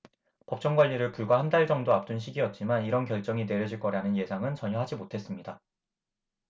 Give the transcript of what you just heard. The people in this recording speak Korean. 법정관리를 불과 한 달 정도 앞둔 시기였지만 이런 결정이 내려질 거라는 예상은 전혀 하지 못했습니다